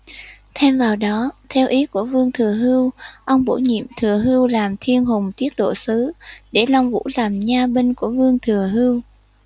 thêm vào đó theo ý của vương thừa hưu ông bổ nhiệm thừa hưu làm thiên hùng tiết độ sứ để long vũ quân làm nha binh của vương thừa hưu